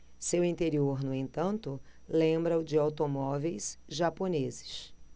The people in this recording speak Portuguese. seu interior no entanto lembra o de automóveis japoneses